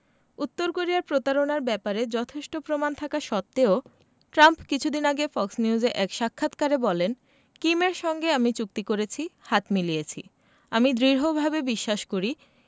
উত্তর কোরিয়ার প্রতারণার ব্যাপারে যথেষ্ট প্রমাণ থাকা সত্ত্বেও ট্রাম্প কিছুদিন আগে ফক্স নিউজে এক সাক্ষাৎকারে বলেন কিমের সঙ্গে আমি চুক্তি করেছি হাত মিলিয়েছি আমি দৃঢ়ভাবে বিশ্বাস করি